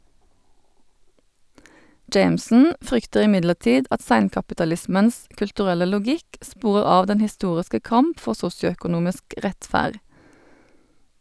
Jameson frykter imidlertid at seinkapitalismens kulturelle logikk sporer av den historiske kamp for sosioøkonomisk rettferd.